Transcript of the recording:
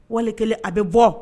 Wali kelen a bɛ bɔ